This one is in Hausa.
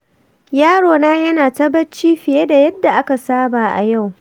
yarona ya na ta barci fiye da yadda aka saba a yau.